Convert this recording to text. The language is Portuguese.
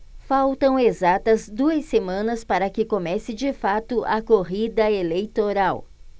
faltam exatas duas semanas para que comece de fato a corrida eleitoral